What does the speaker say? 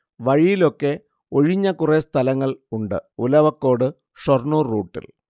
വഴിയിലൊക്കെ ഒഴിഞ്ഞ കുറേ സ്ഥലങ്ങൾ ഉണ്ട്, ഒലവക്കോട്-ഷൊർണൂർ റൂട്ടിൽ